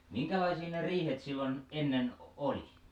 minkälaisia ne riihet silloin ennen oli